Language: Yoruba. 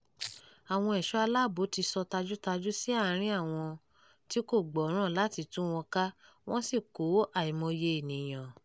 Àwọn ẹ̀ṣọ́ aláàbò ti sọ tajútajú sí àárín àwọn tí kò gbọ́ràn láti tú wọn ká, wọ́n sì kó àìmọye ènìyàn.